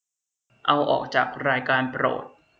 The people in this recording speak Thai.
เอาออกจากรายการโปรด